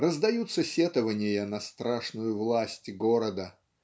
Раздаются сетования на страшную власть города.